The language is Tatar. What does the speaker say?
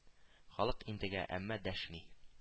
Халык интегә, әмма дәшми